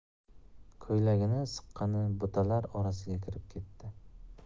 ko'ylagini siqqani butalar orasiga kirib ketdi